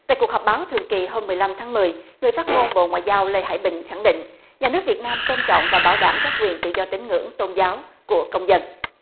tại cuộc họp báo thường kỳ hôm mười lăm tháng mười người phát ngôn bộ ngoại giao lê hải bình khẳng định nhà nước việt nam tôn trọng và bảo đảm các quyền tự do tín ngưỡng tôn giáo của công dân